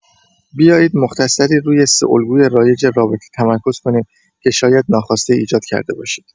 بیایید مختصری روی سه الگوی رایج رابطه تمرکز کنیم که شاید ناخواسته ایجاد کرده باشید.